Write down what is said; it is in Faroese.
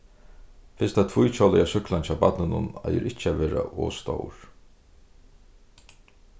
fyrsta tvíhjólaða súkklan hjá barninum eigur ikki at vera ov stór